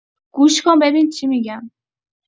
گوش کن ببین چی می‌گم!